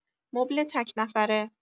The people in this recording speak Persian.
مبل تک‌نفره